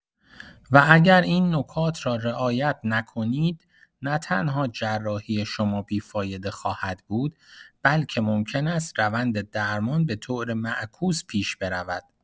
و اگر این نکات را رعایت نکنید، نه‌تنها جراحی شما بی‌فایده خواهد بود، بلکه ممکن است روند درمان به‌طور معکوس پیش برود.